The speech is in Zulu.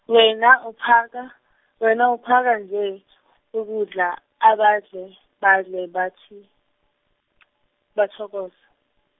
wena uphaka, wena uphaka nje, ukudla abadle badle bathi bathokoze.